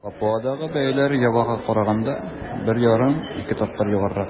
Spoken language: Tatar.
Папуадагы бәяләр Явага караганда 1,5-2 тапкыр югарырак.